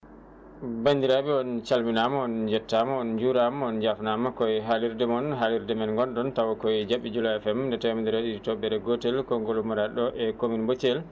bandiraɓe on calmina on jettama on juurama on jafnama koye haalirde moon haalirde men gonɗon tawa koye JABY JULA FM nde tamedere e ɗiɗi toɓɓere gotel konggol ummorade ɗo e commune mo Thiel